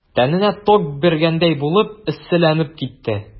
Тәненә ток бәргәндәй булып эсселәнеп китте.